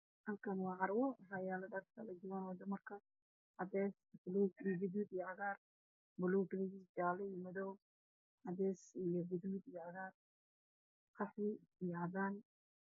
Waa carwo waxaa lagu gadayaa dharka dumarka saakooyin iyo diraayo ayaa ii muuqda oo meel suran oo caddaan iyo madow iyo buluug ah